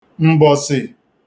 m̀gbọsì